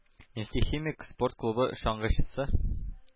«нефтехимик» спорт клубы чаңгычысы